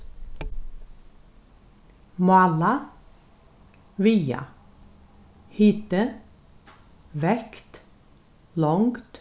mála viga hiti vekt longd